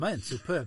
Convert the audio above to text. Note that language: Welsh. Mae e'n superb.